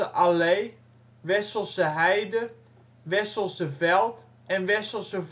allee ',' Wesselseheide ',' Wesselseveld ' en ' Wesselse